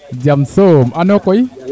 jam soom ano koy